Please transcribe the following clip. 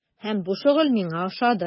Һәм бу шөгыль миңа ошады.